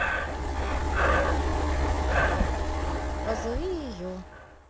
позови ее